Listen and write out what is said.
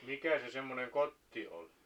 mikä se semmoinen kotti oli